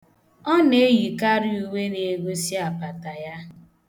Ọ na-eyikarị uwe na-egosi apata ya.